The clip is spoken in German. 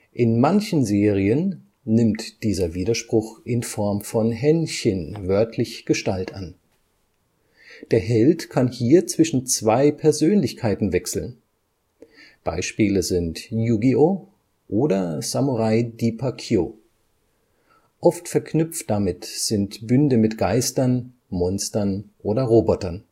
In manchen Serien nimmt dieser Widerspruch in Form von Henshin wörtlich Gestalt an. Der Held kann hier zwischen zwei Persönlichkeiten wechseln. Beispiele sind Yu-Gi-Oh oder Samurai Deeper Kyo. Oft verknüpft damit sind Bünde mit Geistern, Monstern oder Robotern